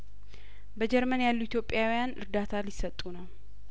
በጀርመን ያሉ ኢትዮጵያውያን እርዳታ ሊሰጡ ነው